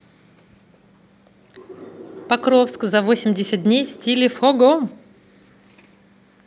покровск за восемьдесят дней в стиле фогом